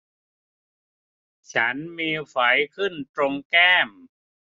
ฉันมีไฝขึ้นตรงแก้ม